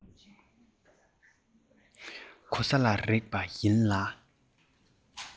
གོ ས ལ རེག པ ཡིན ལ